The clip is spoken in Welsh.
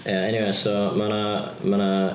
Ie eniwe so mae 'na mae 'na...